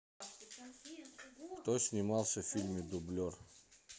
кто снимался в фильме дублер